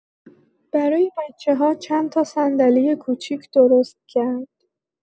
برای بچه‌ها چند تا صندلی کوچیک درست کرد.